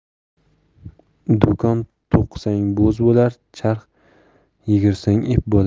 do'kon to'qisang bo'z bo'lar charx yigirsang ip bo'lar